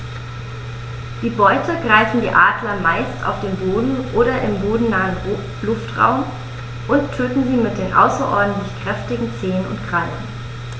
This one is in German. Die Beute greifen die Adler meist auf dem Boden oder im bodennahen Luftraum und töten sie mit den außerordentlich kräftigen Zehen und Krallen.